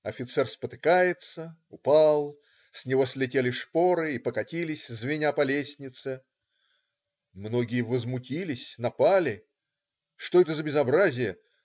Офицер спотыкается, упал, с него слетели шпоры и покатились, звеня, по лестнице. Многие возмутились, напали. "Что это за безобразие!